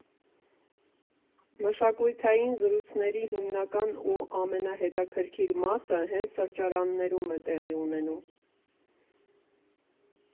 Մշակութային զրույցների հիմնական ու ամենահետաքրքի մասը հենց սրճարաններում է տեղի ունենում։